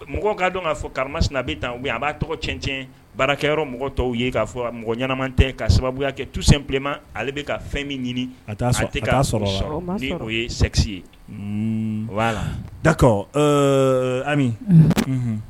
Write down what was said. Mɔgɔ ka' dɔn k'a karama sina na bɛ ta u a b'a tɔgɔ cɛnc baarakɛyɔrɔ mɔgɔ tɔw ye k'a fɔ mɔgɔ ɲɛnama tɛ ka sababuya kɛ tusen bilenma ale bɛ ka fɛn min ɲini a' sɔrɔ sɔrɔ o ye sɛgsigi ye wala dakɔ ɛɛ ami